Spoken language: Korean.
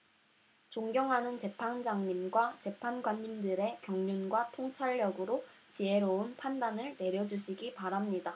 존경하는 재판장님과 재판관님들의 경륜과 통찰력으로 지혜로운 판단을 내려주시기 바랍니다